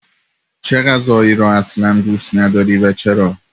چه غذایی را اصلا دوست نداری و چرا؟